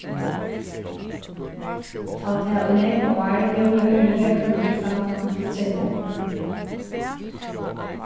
tá tað í nógv ár hevur verið regluligt samband við streymoynna